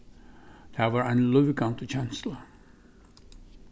tað var ein lívgandi kensla